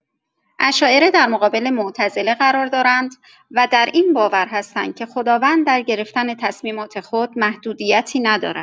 اشاعره در مقابل معتزله قرار دارند و بر این باور هستند که خداوند درگرفتن تصمیمات خود محدودیتی ندارد.